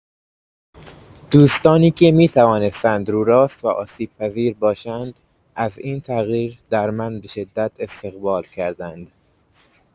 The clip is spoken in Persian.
دوستانی که می‌توانستند روراست و آسیب‌پذیر باشند از این تغییر در من به‌شدت استقبال کردند.